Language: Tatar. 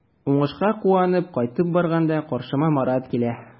Уңышка куанып кайтып барганда каршыма Марат килә.